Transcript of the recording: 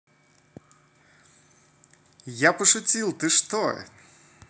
я пошутил ты что